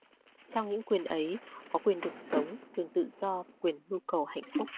trong những quyền ấy có quyền được sống quyền tự do và quyền mưu cầu hạnh phúc